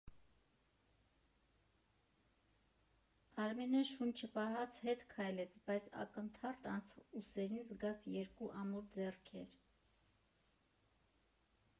Արմինեն շունչը պահած հետ քայլեց, բայց ակնթարթ անց ուսերին զգաց երկու ամուր ձեռքեր։